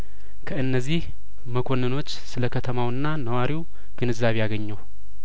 ከእነዚህ መኮንኖች ስለከተማውና ነዋሪው ግንዛቤ አገኘሁ